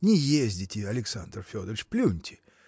Не ездите, Александр Федорыч, плюньте!